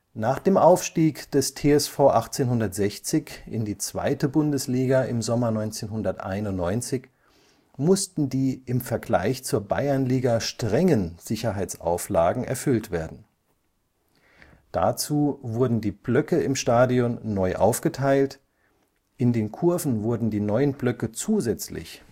Nach dem Aufstieg des TSV 1860 in die 2. Bundesliga im Sommer 1991 mussten die im Vergleich zur Bayernliga strengen Sicherheitsauflagen erfüllt werden. Dazu wurden die Blöcke im Stadion neu aufgeteilt, in den Kurven wurden die neuen Blöcke zusätzlich